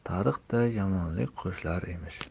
tariqday yomonlik qo'shilar emish